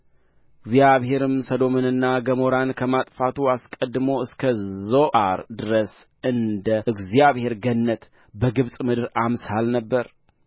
ሎጥም በዮርዳኖስ ዙሪያ ያለውን አገር ሁሉ መረጠ ሎጥም ወደ ምሥራቅ ተጓዘ አንዱም ከሌላው እርስ በርሳቸው ተለያዩ